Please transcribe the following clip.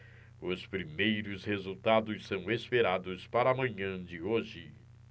os primeiros resultados são esperados para a manhã de hoje